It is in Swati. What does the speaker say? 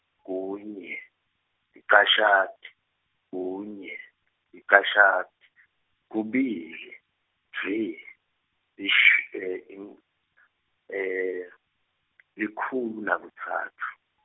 kunye, licashati, kunye, licashati, kubili, dvwi, lish-, inkh-, likhulu nakutsatfu.